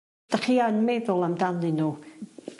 'dach chi yn meddwl amdanyn n'w.